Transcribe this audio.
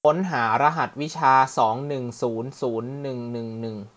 ค้นหารหัสวิชาสองหนึ่งศูนย์ศูนย์หนึ่งหนึ่งหนึ่ง